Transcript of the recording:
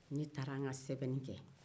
ne taara n'ka sɛbɛnin kɛ